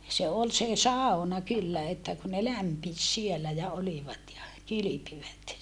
se oli se sauna kyllä että kun ne lämpisi siellä ja olivat ja kylpivät